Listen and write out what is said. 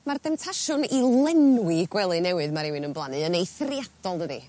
Ma'r demtasiwn i lenwi gwely newydd ma' rywun yn blannu yn eithriadol dydi?